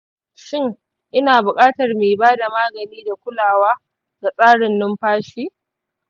shin ina buƙatar mai ba da magani da kulawa ga tsarin numfashi?